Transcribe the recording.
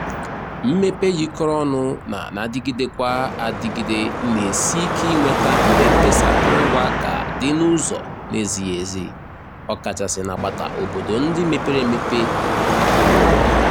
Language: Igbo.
Mmepe yikọrọ ọnụ na na-adigidekwa adigide na-esi ike inweta mgbe nkesa akụrụngwa ka dị n'ụzọ na-ezighi ezi, ọkachasị n'agbata obodo ndị mepere emepe na nke ime obodo.